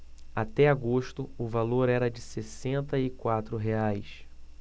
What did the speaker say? até agosto o valor era de sessenta e quatro reais